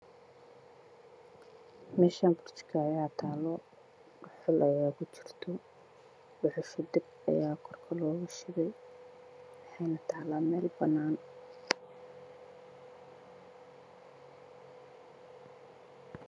Meshan burjiko ayaa talo dhuxul ayaa ku jirto dhuxusha dab ayaa kor kor loga shiday waxeyna talaa meel banan